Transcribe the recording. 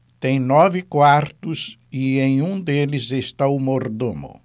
tem nove quartos e em um deles está o mordomo